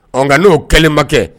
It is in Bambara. Nka n'o kɛlenba kɛ